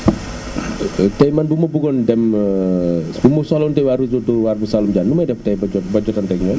tey man bu ma bëggoon dem bu ma soxla woon tey waa réseau Dóor waar bu kër Saalum Diané nu may def tey ba jotanteeg ñoom